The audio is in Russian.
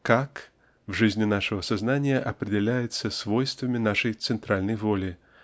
к а к в жизни нашего сознания определяется свойствами нашей центральной воли